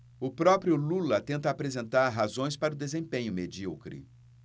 o próprio lula tenta apresentar razões para o desempenho medíocre